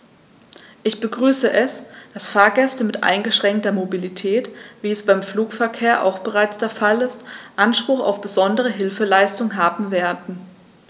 Ich begrüße es, dass Fahrgäste mit eingeschränkter Mobilität, wie es beim Flugverkehr auch bereits der Fall ist, Anspruch auf besondere Hilfeleistung haben werden.